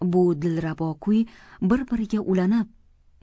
bu dilrabo kuy bir biriga ulanib